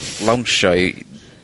...lawnsio 'i